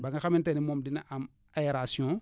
ba nga xamante ne moom dina am aération